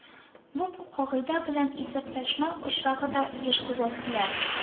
Бу кагыйдә белән исәпләшмәү очрагы да еш күзәтелә